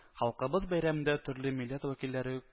Халкыбыз бәйрәмендә төрле милләт вәкилләре